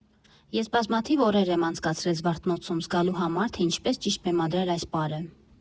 «Ես բազմաթիվ օրեր եմ անցկացրել Զվարթնոցում՝ զգալու համար, թե ինչպես ճիշտ բեմադրել այս պարը։